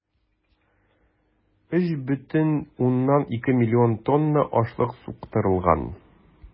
3,2 млн тонна ашлык суктырылган.